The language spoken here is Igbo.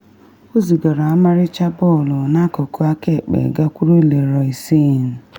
O zigara ọmarịcha bọọlụ n’akụkụ akaekpe gakwuru Leroy Sane.